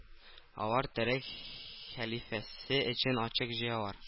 Алар төрек хәлифәсе өчен акча җыялар